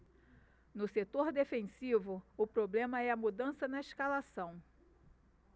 no setor defensivo o problema é a mudança na escalação